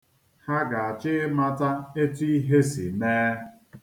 Ha ga-achọ ịmata etu ihe si mee.